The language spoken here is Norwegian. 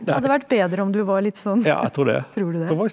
hadde det vært bedre om du var litt sånn , tror du det?